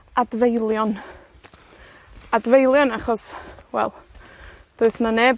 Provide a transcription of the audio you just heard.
Adfeilion adfeilion, achos, wel, does 'na neb